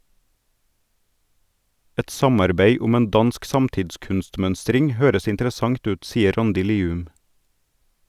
- Et samarbeid om en dansk samtidskunstmønstring høres interessant ut, sier Randi Lium.